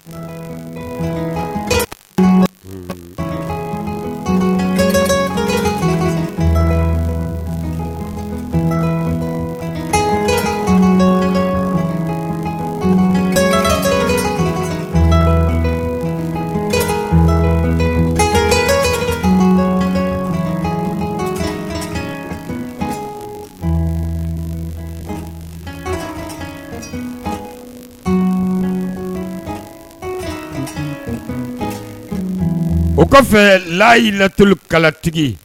O kɔfɛ la y' latlukalatigi